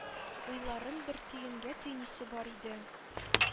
Уйларын бер төенгә төйнисе бар иде.